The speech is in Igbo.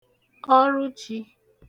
ọrụchi